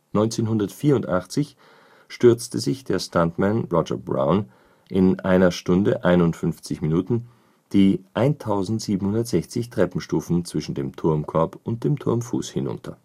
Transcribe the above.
1984 stürzte sich der Stuntman Roger Brown in 1 Stunde 51 Minuten die 1760 Treppenstufen zwischen dem Turmkorb und dem Turmfuß hinunter